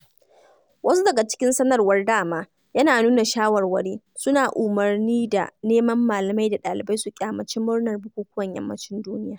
Wani daga cikin sanarwar (dama) ya nuna "Shawarwari" suna umarni da neman malamai da ɗalibai su ƙyamaci murnar bukukuwan Yammacin duniya.